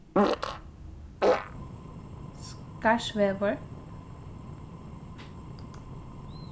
skarðsvegur